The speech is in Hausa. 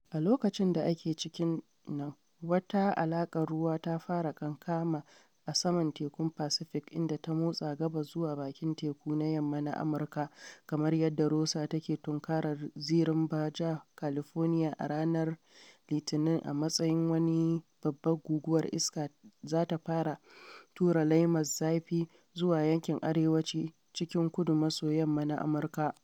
A lokacin da ake cikin nan, wata akalar ruwan ta fara kankama a saman Tekun Pacific inda ta motsa gabas zuwa Bakin Teku na Yamma na Amurka. Kamar yadda Rosa ke tunkaran zirin Baja California a ranar Litinin a matsayin wani babbar guguwar iska za ta fara tura laimar zafi zuwa yankin arewaci cikin kudu-maso-yamma na Amurka.